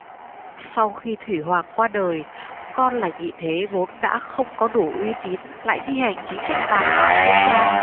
sau khi thủy hoàng qua đời con là nhị thế vốn đã không có đủ uy tín lại thi hành chính sách tàn bạo hơn cha